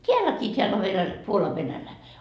täälläkin täällä on - Puolan -